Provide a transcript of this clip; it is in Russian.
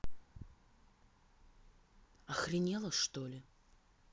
охренела что ли